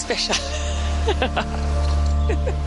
Sbesial.